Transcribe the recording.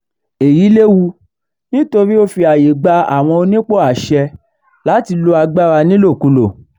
Èyí léwu nítorí ó fi àyè gba àwọn onípò àṣẹ láti lo agbára nílòkulò.